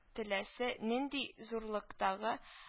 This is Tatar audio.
Теләсә нинди зурлыктагы